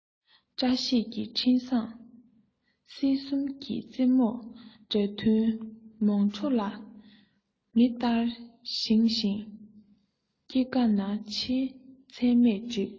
བཀྲ ཤིས ཀྱི འཕྲིན བཟང སྲིད གསུམ གྱི རྩེ མོར སྒྲ ཐུན མོང འགྲོ ལ མི ལྟར བཞེངས ཤིང སྐྱེ རྒ ན འཆིའི མཚན མས བསྒྲིབས